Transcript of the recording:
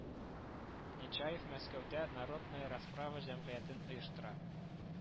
Нечаев Мәскәүдә Народная расправа җәмгыятен оештыра